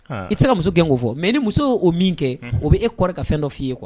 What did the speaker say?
I te se ka muso gɛn ko fɔ mais ni musoo o min kɛ unhun o be e kɔrɔ ka fɛn dɔ f'i ye quoi